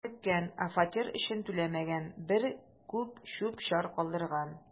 „дөмеккән, ә фатир өчен түләмәгән, бер күч чүп-чар калдырган“.